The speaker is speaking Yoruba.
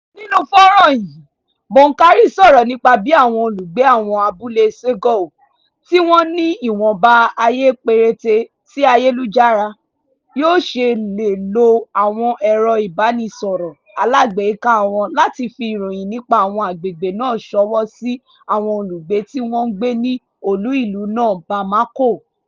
Nínú fọ́nràn yìí, Boukary sọ̀rọ̀ nípa bí àwọn olùgbé àwọn abúlé Ségou, tí wọn ní ìwọ̀nba àyè péréte sí ayélujára yóò ṣe lè lo àwọn ẹ̀rọ ìbánisọ̀rọ̀ alágbèéká wọn láti fi ìròyìn nípa àwọn agbègbè náà ṣọwọ́ sí àwọn olùgbé tí wọ́n ń gbé ní olú-ìlú náà Bamako.